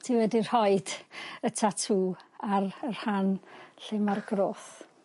Ti wedi rhoid y tatŵ ar y rhan lle ma'r groth.